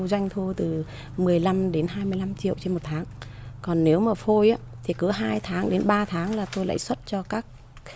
doanh thu từ mười lăm đến hai mươi lăm triệu trên một tháng còn nếu mà phôi thì cứ hai tháng đến ba tháng là tôi lại xuất cho các